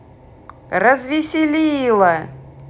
развеселила